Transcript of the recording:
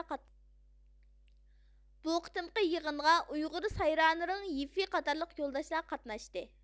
بۇ قېتىمقى يىغىنغا ئۇيغۇر سايرانىرېڭ يىفېي قاتارلىق يولداشلار قاتناشتى